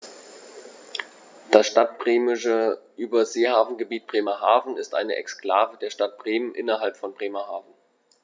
Das Stadtbremische Überseehafengebiet Bremerhaven ist eine Exklave der Stadt Bremen innerhalb von Bremerhaven.